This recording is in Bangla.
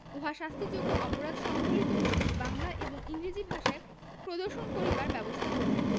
উহা শাস্তিযোগ্য অপরাধ সম্বলিত নোটিশ বাংলা এবং ইংরেজী ভাষায় প্রদর্শন করিবার ব্যবস্থা করিবেন